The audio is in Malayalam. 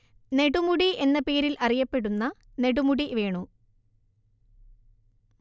നെടുമുടി എന്ന പേരിൽ അറിയപ്പെടുന്ന നെടുമുടി വേണു